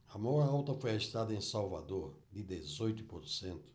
a maior alta foi registrada em salvador de dezoito por cento